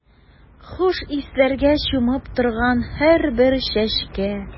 Хуш исләргә чумып торган һәрбер чәчкә.